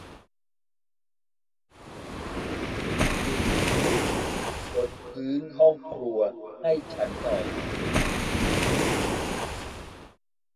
ดูดฝุ่นบนพื้นห้องครัวให้ฉันหน่อย